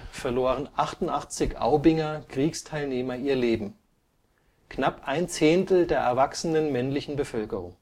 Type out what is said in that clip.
verloren 88 Aubinger Kriegsteilnehmer ihr Leben, knapp ein Zehntel der erwachsenen männlichen Bevölkerung